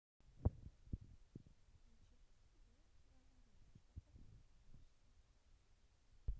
ничего себе говорю что подлизываешься